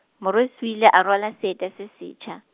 morwesi o ile a rwala seeta se setjha.